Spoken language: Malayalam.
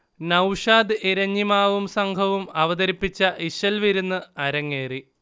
നൗഷാദ് എരഞ്ഞിമാവും സംഘവും അവതരിപ്പിച്ച ഇശൽവിരുന്ന് അരങ്ങേറി